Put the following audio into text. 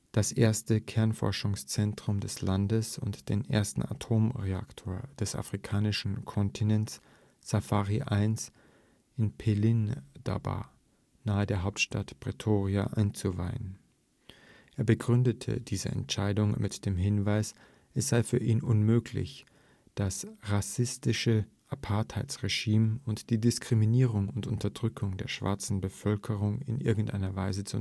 das erste Kernforschungszentrum des Landes und den ersten Atomreaktor des afrikanischen Kontinents (SAFARI 1) in Pelindaba nahe der Hauptstadt Pretoria einzuweihen. Er begründete diese Entscheidung mit dem Hinweis, es sei für ihn „ unmöglich das rassistische Apartheids-Regime und die Diskriminierung und Unterdrückung der schwarzen Bevölkerung in irgendeiner Weise